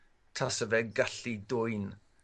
tasa fe gallu dwyn